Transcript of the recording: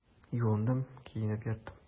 Юындым, киенеп яттым.